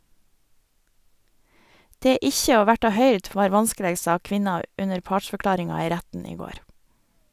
Det ikkje å verta høyrd var vanskeleg, sa kvinna under partsforklaringa i retten i går.